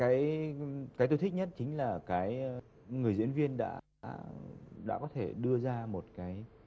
cái cái tôi thích nhất chính là cái người diễn viên đã ạ đã có thể đưa ra một cái